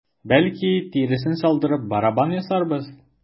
Бәлки, тиресен салдырып, барабан ясарбыз?